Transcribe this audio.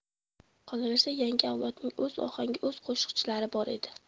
qolaversa yangi avlodning o'z ohangi o'z qo'shiqchilari bor edi